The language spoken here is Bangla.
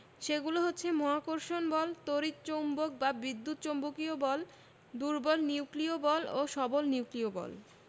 সেগুলো হচ্ছে মহাকর্ষ বল তড়িৎ চৌম্বক বা বিদ্যুৎ চৌম্বকীয় বল দুর্বল নিউক্লিয় বল ও সবল নিউক্লিয় বল